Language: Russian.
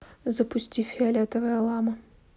запусти фиолетовая лама